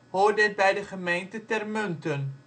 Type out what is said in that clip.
hoorde het bij de gemeente Termunten